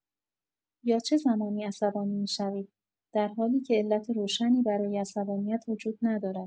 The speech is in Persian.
یا چه زمانی عصبانی می‌شوید، درحالی که علت روشنی برای عصبانیت وجود ندارد.